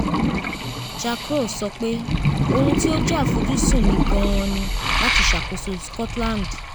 Jack Ross: “Ohun tí ó jẹ́ àfojúsùn mi gan an ni láti ṣàkóso Scotland’